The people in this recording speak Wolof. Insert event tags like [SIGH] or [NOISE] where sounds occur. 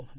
[HESITATION] [HESITATION]